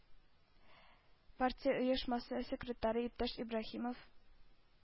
Партия оешмасы секретаре иптәш Ибраһимов